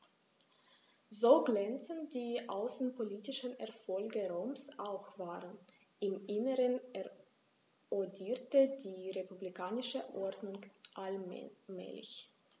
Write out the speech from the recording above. So glänzend die außenpolitischen Erfolge Roms auch waren: Im Inneren erodierte die republikanische Ordnung allmählich.